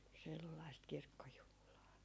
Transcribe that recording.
sellaista kirkkojuhlaa